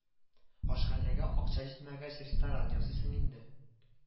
Ашханәгә акча җитмәгәч ресторан ясыйсың инде